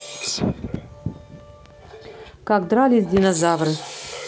как дрались динозавры